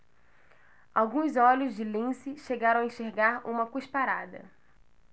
alguns olhos de lince chegaram a enxergar uma cusparada